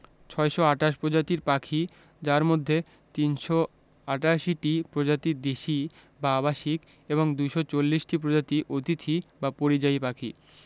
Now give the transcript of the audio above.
৬২৮ প্রজাতির পাখি যার মধ্যে ৩৮৮টি প্রজাতি দেশী বা আবাসিক এবং ২৪০ টি প্রজাতি অতিথি বা পরিযায়ী